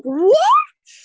What?!